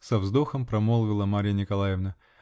-- со вздохом промолвила Марья Николаевна .